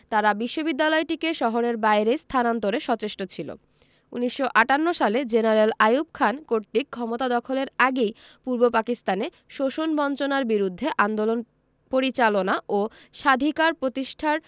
তারা বিশ্ববিদ্যালয়টিকে শহরের বাইরে স্থানান্তরে সচেষ্ট ছিল ১৯৫৮ সালে জেনারেল আইয়ুব খান কর্তৃক ক্ষমতা দখলের আগেই পূর্ব পাকিস্তানে শোষণ বঞ্চনার বিরুদ্ধে আন্দোলন পরিচালনা ও স্বাধিকার প্রতিষ্ঠার